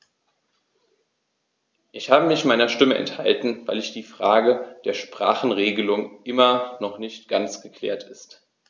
Ich habe mich meiner Stimme enthalten, weil die Frage der Sprachenregelung immer noch nicht ganz geklärt ist.